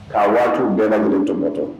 K'a waati bɛɛ lajɛlen tɔbɔtɔ.